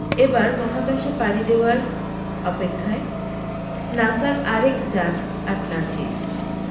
এবার মহাকাশে পাড়ি দেওয়ার অপেক্ষায় নাসার আর এক যান আটলান্টিস